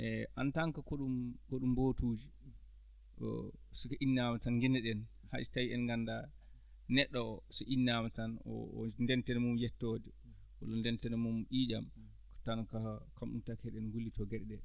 e en tant que ko ɗum ko ɗum mbotu uji ko siko innaama tan nginneɗen hay so tawii en nganndaa neɗɗo o so innaama tan o o ndenten e mum yettoode walla ndenten e mum ƴiiƴam tan ko kam ɗum taki eɗen ngullitoo geɗe ɗee